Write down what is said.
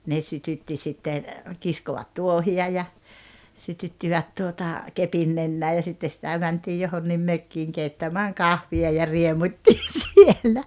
ne sytytti sitten kiskovat tuohia ja sytyttivät tuota kepin nenään ja sitten sitä mentiin johonkin mökkiin keittämään kahvia ja riemuittiin siellä